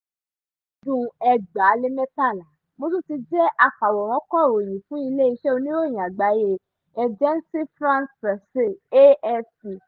Láti ọdún 2013, mo tún ti jẹ́ afàwòránkọ̀ròyìn fún ilé-iṣẹ́ oníròyìn àgbáyé, Agence France Presse (AFP).